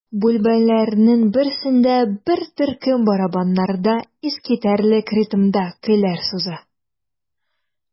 Бүлмәләрнең берсендә бер төркем барабаннарда искитәрлек ритмда көйләр суза.